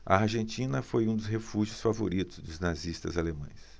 a argentina foi um dos refúgios favoritos dos nazistas alemães